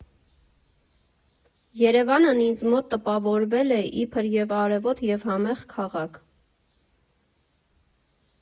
Երևանն ինձ մոտ տպավորվել է իբրև արևոտ և համեղ քաղաք։